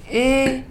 Ee